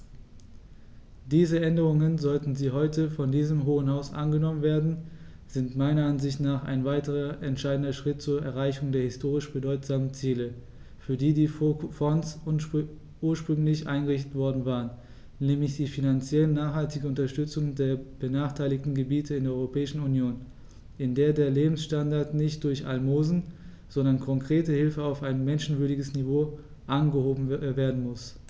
Diese Änderungen, sollten sie heute von diesem Hohen Haus angenommen werden, sind meiner Ansicht nach ein weiterer entscheidender Schritt zur Erreichung der historisch bedeutsamen Ziele, für die die Fonds ursprünglich eingerichtet worden waren, nämlich die finanziell nachhaltige Unterstützung der benachteiligten Gebiete in der Europäischen Union, in der der Lebensstandard nicht durch Almosen, sondern konkrete Hilfe auf ein menschenwürdiges Niveau angehoben werden muss.